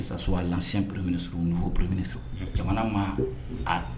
Sasulanfɔ jamana ma